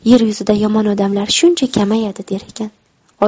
yer yuzida yomon odamlar shuncha kamayadi der ekan